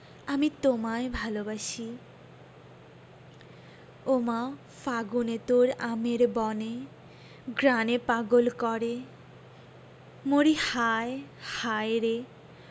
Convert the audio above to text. আমি তোমায় ভালোবাসি ওমা ফাগুনে তোর আমের বনে গ্রাণে পাগল করে মরিহায় হায়রে